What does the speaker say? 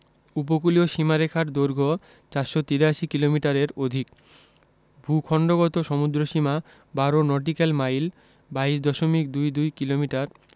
উপকূলীয় সীমারেখার দৈর্ঘ্য ৪৮৩ কিলোমিটারের অধিক ভূখন্ডগত সমুদ্রসীমা ১২ নটিক্যাল মাইল ২২ দশমিক দুই দুই কিলোমিটার